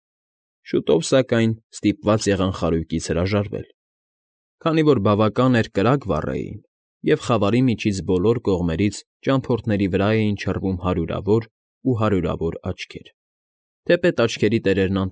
Շուտով սակայն, ստիպված եղան խարույկից հրաժարվել, քանի որ բավական էր կրակ վառեին, և խավարի միջից բոլոր կողմերից ճամփորդների վրա էին չռվում հարյուրավոր ու հարյուրավոր աչքեր, թեպետ աչքերի տերերն։